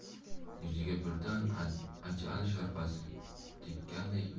yuziga birdan ajal sharpasi tekkanday